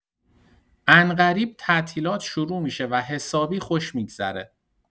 عنقریب تعطیلات شروع می‌شه و حسابی خوش می‌گذره.